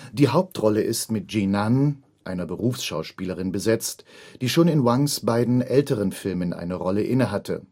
Die Hauptrolle ist mit Yu Nan, einer Berufsschauspielerin besetzt, die schon in Wangs beiden älteren Filmen eine Rolle inne hatte